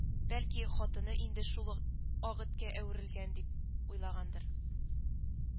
Бәлки, хатыны инде шул ак эткә әверелгән, дип уйлагандыр